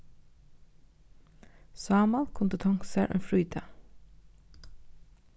sámal kundi tonkt sær ein frídag